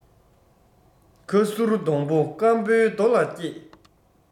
ཁ སུར སྡོང པོ སྐམ པོའི རྡོ ལ སྐྱེས